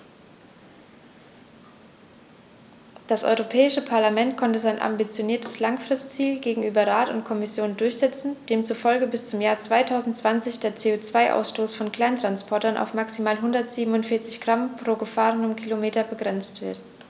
Das Europäische Parlament konnte sein ambitioniertes Langfristziel gegenüber Rat und Kommission durchsetzen, demzufolge bis zum Jahr 2020 der CO2-Ausstoß von Kleinsttransportern auf maximal 147 Gramm pro gefahrenem Kilometer begrenzt wird.